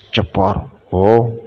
Cɛkɔrɔba h